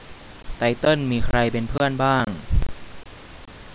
ไตเติ้ลมีใครเป็นเพื่อนบ้าง